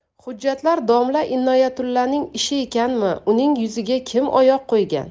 hujjatlar domla inoyatulloning ishi ekanmi uning yuziga kim oyoq qo'ygan